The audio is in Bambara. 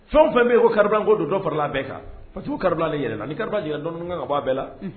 Fɛn o fɛn bɛ'o kariko don dɔ farala bɛɛ kan pa kariale yɛlɛ ni kari jira dɔnni kan ka b bɔa bɛɛ la